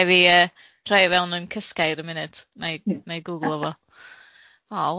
Raid fi yy rhoi o fewn yn Cysgair yn munud, 'na i 'na i gwglo fo.